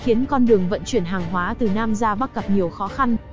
khiến con đường vận chuyển hàng hóa từ nam ra bắc gặp nhiều khó khăn